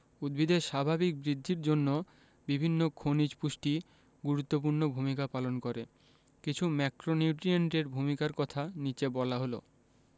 উদ্ভিদের স্বাভাবিক বৃদ্ধির জন্য বিভিন্ন খনিজ পুষ্টি গুরুত্বপূর্ণ ভূমিকা পালন করে কিছু ম্যাক্রোনিউট্রিয়েন্টের ভূমিকার কথা নিচে বলা হল